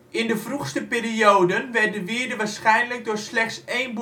In de vroegste perioden werd de wierde waarschijnlijk door slechts één